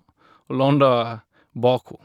Og landa bak hun.